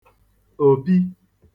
Òpi